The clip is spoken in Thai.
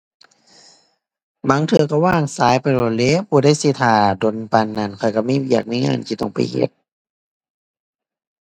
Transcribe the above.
บางเทื่อก็วางสายไปโลดแล้ว ผู้ใดสิท่าโดนปานนั้น ข้อยก็มีเวียกมีงานที่ต้องไปเฮ็ด